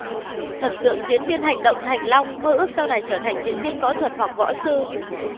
thần tượng diễn viên hành động thành long mơ ước sau này trở thành diễn viên võ thuật hoặc võ sư